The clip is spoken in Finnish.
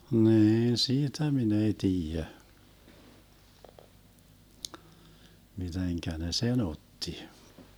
niin siitä minä ei tiedä miten ne sen otti